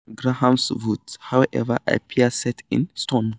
Graham's vote, however, appears set in stone.